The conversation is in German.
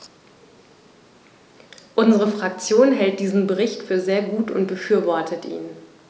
Unsere Fraktion hält diesen Bericht für sehr gut und befürwortet ihn.